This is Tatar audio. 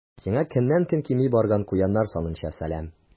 Сиңа көннән-көн кими барган куяннар санынча сәлам.